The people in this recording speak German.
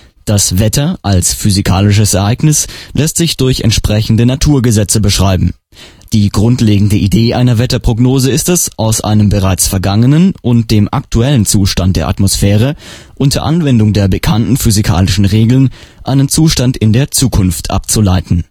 Das Wetter - als physikalisches Ereignis - lässt sich durch entsprechende Naturgesetze beschreiben. Die grundlegende Idee einer Wetterprognose ist es, aus einem bereits vergangenen und dem aktuellen Zustand der Atmosphäre, unter Anwendung der bekannten physikalischen Regeln, einen Zustand in der Zukunft abzuleiten